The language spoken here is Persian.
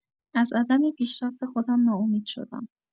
از عدم پیشرفت خودم ناامید شدم.